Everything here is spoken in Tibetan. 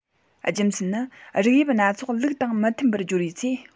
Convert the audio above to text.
རྒྱུ མཚན ནི རིགས དབྱིབས སྣ ཚོགས ལུགས དང མི མཐུན པར སྦྱོར བའི ཚེ